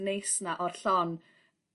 neis 'na o'r llon